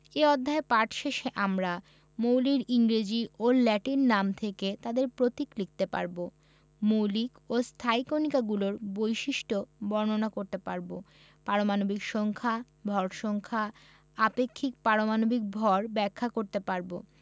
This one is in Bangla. ⦁ মৌলের ইংরেজি ও ল্যাটিন নাম থেকে তাদের প্রতীক লিখতে পারব ⦁ মৌলিক ও স্থায়ী কণিকাগুলোর বৈশিষ্ট্য বর্ণনা করতে পারব ⦁ পারমাণবিক সংখ্যা ভর সংখ্যা আপেক্ষিক পারমাণবিক ভর ব্যাখ্যা করতে পারব